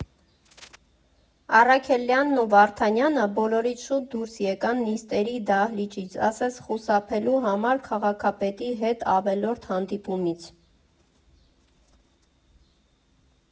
Առաքելյանն ու Վարդանյանը բոլորից շուտ դուրս եկան նիստերի դահլիճից, ասես խուսափելու համար քաղաքապետի հետ ավելորդ հանդիպումից։